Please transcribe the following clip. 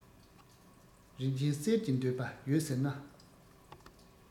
རིན ཆེན གསེར གྱི འདོད པ ཡོད ཟེར ན